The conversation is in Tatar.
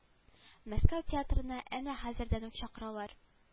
Мәскәү театрына аны хәзердән ук чакыралар